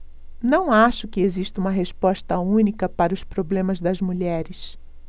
não acho que exista uma resposta única para os problemas das mulheres